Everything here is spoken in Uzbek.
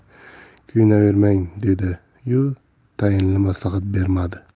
kuyunavermang dedi yu tayinli maslahat bermadi